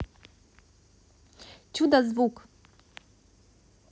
чудо звук